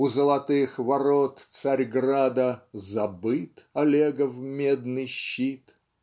У золотых ворот Царьграда Забыт Олегов медный щит?